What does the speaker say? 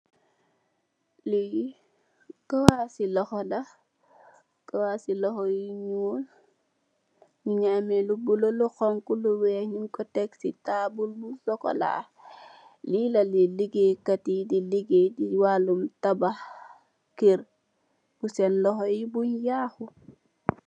Li kawaas ci loho la, kawaas ci loho yu ñuul, mungi ameh lu bulo, lu honku, lu weeh nung ko tekk ci taabul bu sokola. Li la li ligèkat yi di ligè ci walum tabah kër purr senn loho yi bum yaho.